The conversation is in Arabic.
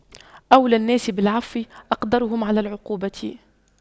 أولى الناس بالعفو أقدرهم على العقوبة